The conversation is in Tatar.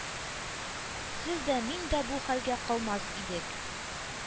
Сез дә, мин дә бу хәлгә калмас идек,